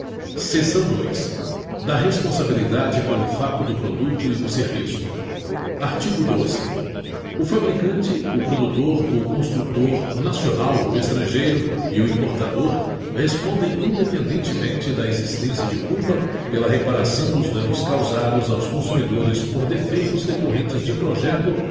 seção dois da responsabilidade pelo fato do produto e do serviço artigo doze o fabricante o produtor o construtor nacional ou estrangeiro e o importador respondem independentemente da existência de culpa pela reparação dos danos causados aos consumidores por defeitos decorrentes de projeto